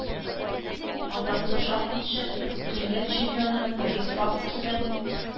Атаклы шахматчы, дөнья чемпионы борис спасский белән